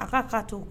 A ka ka to